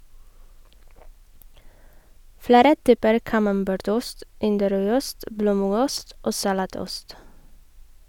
Flere typer camembert-ost, Inderøyost, blåmuggost og salatost.